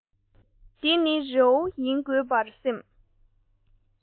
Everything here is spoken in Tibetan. འདི ནི རི བོ ཡིན དགོས པར སེམས